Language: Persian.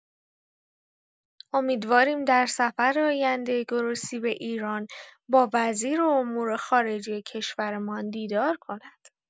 امیدواریم در سفر آینده گروسی به ایران با وزیر امور خارجه کشورمان دیدار کند.